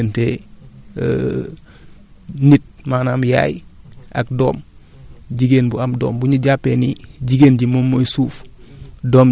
danu jël diggante nit maanaam yaay ak doom jigéen bu am doom bu ñu jàppee ni jigéen ji moom mooy suuf